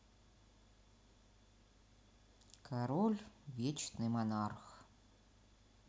король вечный монарх